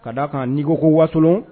Ka d'a kan n'i ko ko wasolon